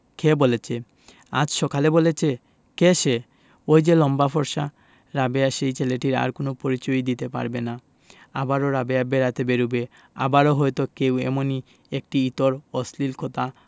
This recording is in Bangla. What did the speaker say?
কে বলেছে আজ সকালে বলেছে কে সে ঐ যে লম্বা ফর্সা রাবেয়া সেই ছেলেটির আর কোন পরিচয়ই দিতে পারবে না আবারও রাবেয়া বেড়াতে বেরুবে আবারো হয়তো কেউ এমনি একটি ইতর অশ্লীল কথা